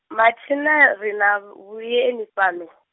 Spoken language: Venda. mathina ri na, vhueni fhano?